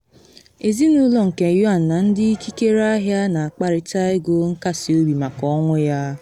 Ezinụlọ nke Yuan na ndị ikikere ahịa na akparịta ego nkasị obi maka ọnwụ ya.